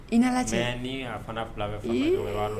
I nana caya ni fana fila bɛ fɔ